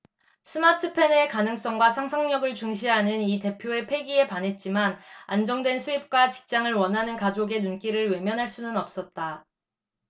스마트펜의 가능성과 상상력을 중시하는 이 대표의 패기에 반했지만 안정된 수입과 직장을 원하는 가족의 눈길을 외면할 수는 없었다